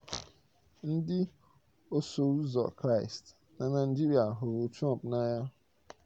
Ndị Osoụzọ Kraịstị na Naịjirịa hụrụ Trump n'anya.